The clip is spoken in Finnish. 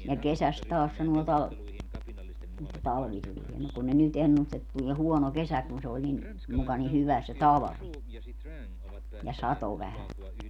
ja kesästä taas sanoo - että talvi tulee mutta kun ne nyt ennusti että tulee huono kesä kun se oli niin muka niin hyvä se talvi ja satoi vähän